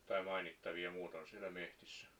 tai mainittavia muuton siellä metsissä